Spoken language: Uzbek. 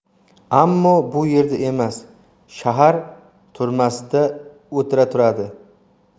ammo bu yerda emas shahar turmasida o'tira turadi